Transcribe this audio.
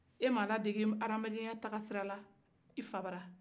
e ma ladege adamadenya taa sira la i fa fen